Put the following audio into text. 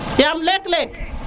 yam lek lek